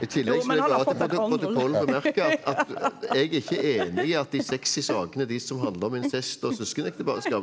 i tillegg så vil jeg bare at protokollen bemerker at at jeg ikke er enig i at de sexy sakene er de som handler om incest og søskenekteskap.